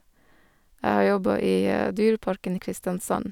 Jeg har jobba i Dyreparken i Kristiansand.